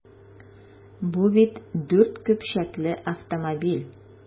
Бу бит дүрт көпчәкле автомобиль!